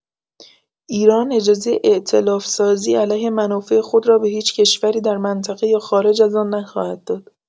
ایران اجازه ائتلاف سازی علیه منافع خود را به هیچ کشوری در منطقه یا خارج از آن نخواهد داد.